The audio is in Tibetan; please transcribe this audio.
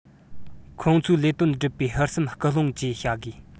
ཁོང ཚོའི ལས དོན སྒྲུབ པའི ཧུར སེམས སྐུལ སློང བཅས བྱ དགོས